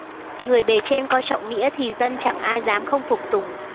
người bề trên coi trọng nghĩa thì dân chẳng ai dám không phục tùng